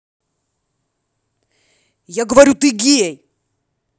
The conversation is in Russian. я говорю ты гей